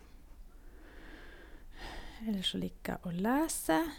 Ellers så liker jeg å lese.